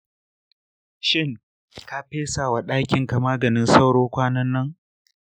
shin ka fesa wa ɗakinka maganin sauro kwanan nan?